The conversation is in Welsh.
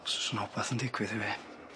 Os o's 'na wbath yn digwydd i fi.